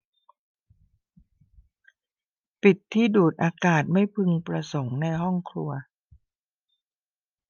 ปิดที่ดูดอากาศไม่พึงประสงค์ในห้องครัว